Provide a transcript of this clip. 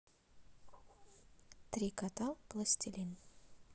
три кота пластилин